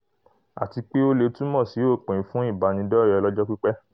Àtipé o leè túmọ̀ sí òpin fún ìbánidọ́ọ̀rẹ́ ọlọ́jọ́ pípẹ́.